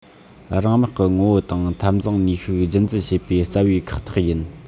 རང དམག གི ངོ བོ དང འཐབ འཛིང ནུས ཤུགས རྒྱུན འཛིན བྱེད པའི རྩ བའི ཁག ཐེག ཡིན